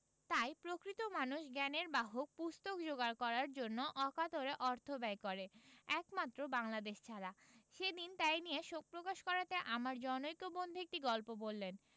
তাই প্রকৃত মানুষ জ্ঞানের বাহন পুস্তক যোগাড় করার জন্য অকাতরে অর্থ ব্যয় করে একমাত্র বাঙলা দেশ ছাড়া সেদিন তাই নিয়ে শোকপ্রকাশ করাতে আমার জনৈক বন্ধু একটি গল্প বললেন